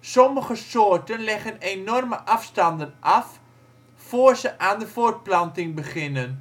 Sommige soorten leggen enorme afstanden af voor ze aan de voortplanting beginnen